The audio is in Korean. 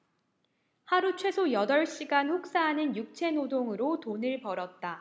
하루 최소 여덟 시간 혹사하는 육체노동으로 돈을 벌었다